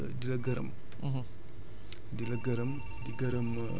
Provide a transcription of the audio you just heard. sëñ Ba yow dañ lay dañ lay sant bu baax di la gërëm